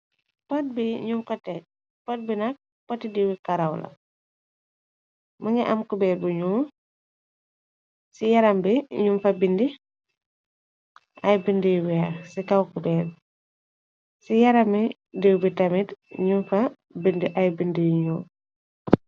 Pott bi nak potti diiwbi karaw la mëna am kubeer buñu ci yaram bi ñum fa bindi ay bindiy weex ci kaw kubeer ci yarami diiw bi tamit ñum fa bindi ay bindi yi ñyul.